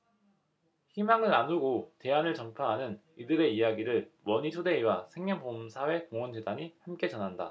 희망을 나누고 대안을 전파하는 이들의 이야기를 머니투데이와 생명보험사회공헌재단이 함께 전한다